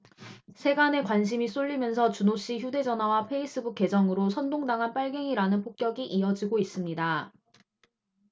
세간의 관심이 쏠리면서 준호씨 휴대전화와 페이스북 계정으로 선동 당한 빨갱이라는 폭격이 이어지고 있습니다